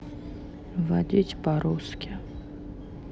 водить по русски